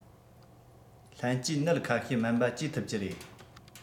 ལྷན སྐྱེས ནད ཁ ཤས སྨན པ བཅོས ཐུབ ཀྱི རེད